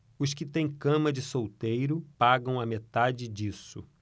os que têm cama de solteiro pagam a metade disso